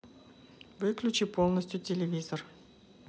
выключи полностью телевизор